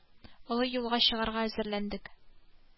Нинди җаен табарга соң?